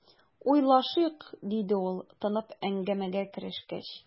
"уйлашыйк", - диде ул, тынып, әңгәмәгә керешкәч.